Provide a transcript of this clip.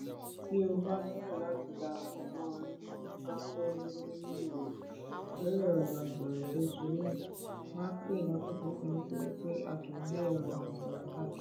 "Tí o bá nílò láti dara pọ̀ mọ́ wa ni Ngakoro lórí ẹ̀rọ ìbánisọ̀rọ̀, ṣe sùúrù, máa pè lápètúnpè nítorí pé a kìí gbé ẹ̀rọ ìbánisọ̀rọ̀ wa káàkiri.